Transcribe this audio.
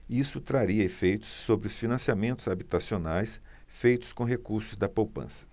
isso traria efeitos sobre os financiamentos habitacionais feitos com recursos da poupança